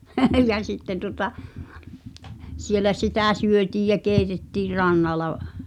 ja sitten tuota siellä sitä syötiin ja keitettiin rannalla